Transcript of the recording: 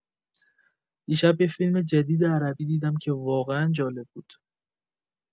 دیشب یه فیلم جدید عربی دیدم که واقعا جالب بود.